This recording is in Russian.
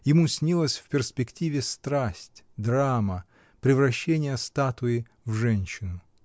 Ему снилась в перспективе страсть, драма, превращение статуи в женщину.